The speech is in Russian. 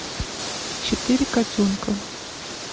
четыре котенка